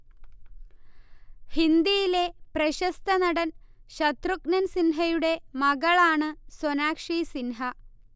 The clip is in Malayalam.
ഹിന്ദിയിലെ പ്രശസ്ത നടൻ ശത്രുഘ്നൻ സിൻഹയുടെ മകളാണ് സൊനാക്ഷി സിൻഹ